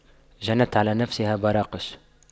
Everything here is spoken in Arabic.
جنت على نفسها براقش